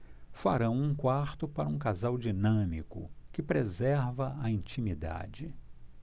farão um quarto para um casal dinâmico que preserva a intimidade